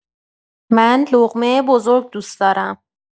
من لقمه بزرگ دوست دارم.